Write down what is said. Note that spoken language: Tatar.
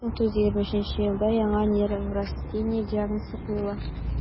1923 елда аңа неврастения диагнозы куела: